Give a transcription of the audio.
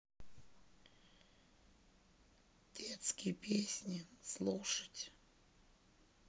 детские песни слушать